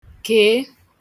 kèe